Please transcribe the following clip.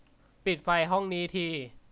ปิดไฟห้องนี้ที